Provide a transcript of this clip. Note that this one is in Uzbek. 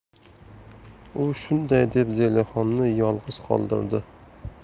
u shunday deb zelixonni yolg'iz qoldirdi